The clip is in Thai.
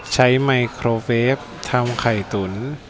ใช้ไมโครเวฟทำไข่่ตุ๋น